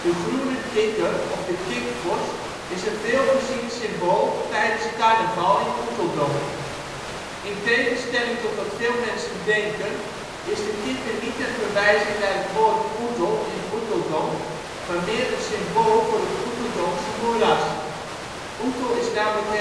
groene) kikker of de kikvors is een veel gezien symbool tijdens Carnaval in Oeteldonk. In tegenstelling tot wat veel mensen denken is de kikker niet een verwijzing naar het woord ‘Oetel’ in Oeteldonk, maar meer een symbool voor het Oeteldonkse moeras. Oetel is namelijk